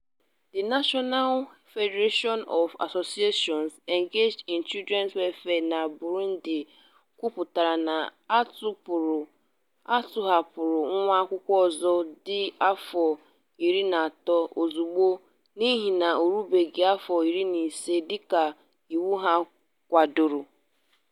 The National Federation of Associations Engaged in Children's Welfare na Burundi kwupụtara na a tọhapụrụ nwa akwụkwọ ọzọ, dị afọ 13, ozugbo n'ihi na orubeghị afọ 15 dịka iwu ha kwadoro.